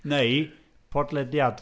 Neu podlediad.